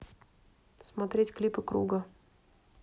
смотреть клипы круга